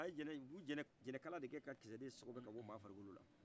a ye jɛnɛ jɛnɛkala de kɛ kisɛden sɔgɔbɛ ka bɔ mɔgɔ farikolo la